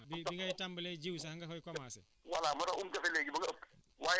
voilà très bien parce que moom souvent dafa am lu ñuy ne aay na rek bu ko def lu ko ëpp